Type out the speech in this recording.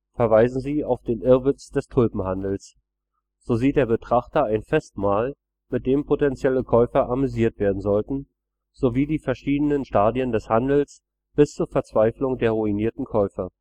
verweisen sie auf den Irrwitz des Tulpenhandels. So sieht der Betrachter ein Festmahl, mit dem potentielle Käufer amüsiert werden sollten, sowie die verschiedenen Stadien des Handels bis zur Verzweiflung der ruinierten Käufer